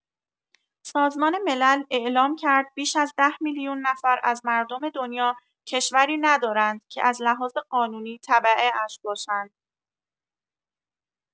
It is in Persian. سازمان ملل اعلام کرد بیش از ۱۰ میلیون نفر از مردم دنیا کشوری ندارند که از لحاظ قانونی تبعه‌اش باشند.